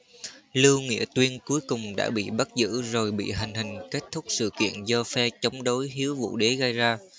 lưu nghĩa tuyên cuối cùng đã bị bắt giữ rồi bị hành hình kết thúc sự kiện do phe chống đối hiếu vũ đế gây ra